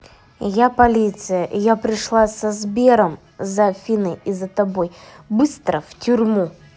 я полиция я пришла со сбером за афиной и за тобой быстро в тюрьму